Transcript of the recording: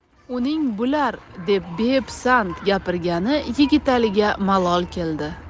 uning bular deb bepisand gapirgani yigitaliga malol keldi